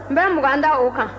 n bɛ mugan da a kan